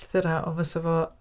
Llythyrau, ond fysa fo